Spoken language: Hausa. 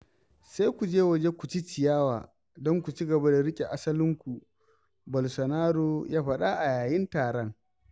Sai ku je waje ku ci ciyawa don ku cigaba da riƙe asalinku, Bolsonaro ya faɗa a yayin taron.